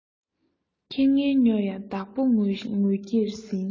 ཁྱི ངན སྨྱོ ཡང བདག པོ ངོས ཀྱིས འཛིན